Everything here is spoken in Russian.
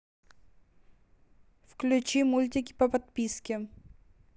включи мультики по подписке